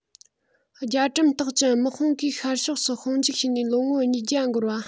རྒྱ གྲམ རྟགས ཅན དམག དཔུང གིས ཤར ཕྱོགས སུ དཔུང འཇུག བྱས ནས ལོ ངོ ཉིས བརྒྱ འགོར བ